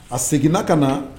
A seginna ka naa